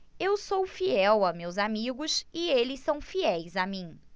eu sou fiel aos meus amigos e eles são fiéis a mim